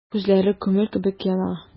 Күзләре күмер кебек яна.